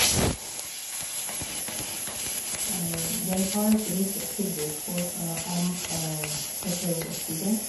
Jeg har blitt tilbud for om PPU-student.